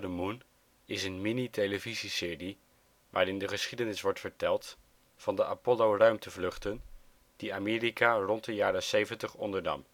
moon is een mini-televisieserie waarin de geschiedenis wordt verteld van de Apollo-ruimtevluchten die Amerika rond de jaren ' 70 ondernam